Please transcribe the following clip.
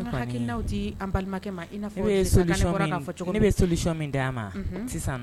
Ne di ma